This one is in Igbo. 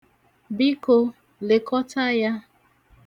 Biko, lekọta ya!